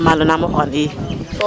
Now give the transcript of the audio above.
Maalo nam o xooxan i,